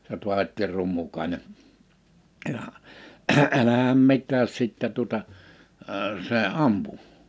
se oli Taavetti Rummukainen ja älähän mitään sitten tuota - se ampui